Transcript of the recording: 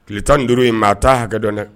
Tile tan ninnu duuru in maa ta hakɛ dɔn dɛ